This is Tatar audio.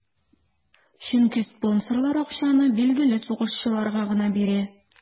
Чөнки спонсорлар акчаны билгеле сугышчыларга гына бирә.